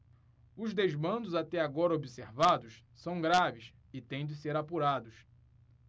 os desmandos até agora observados são graves e têm de ser apurados